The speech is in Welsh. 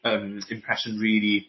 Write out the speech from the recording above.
yym impression rili